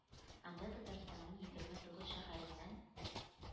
Анда Татарстанның егерме тугыз шәһәреннән